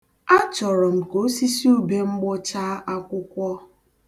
Achọrọ m ka osisi ube m gbụchaa akwụkwọ.